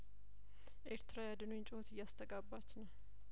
ኤርትራ የአድኑኝ ጩኸት እያስተጋባች ነው